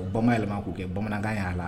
O bama yɛlɛma' kɛ bamanankan' la